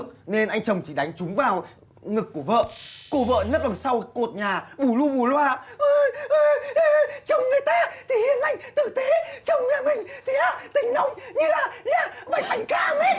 nên anh chồng chỉ đánh trúng vào ngực của vợ cô vợ nấp đằng sau cột nhà bù lu bù loa ơi ơ ơ chồng người ta thì hiền lành tử tế chồng nhà mình thì tính nóng như là bánh cam ý